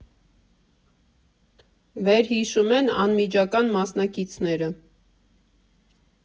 Վերհիշում են անմիջական մասնակիցները։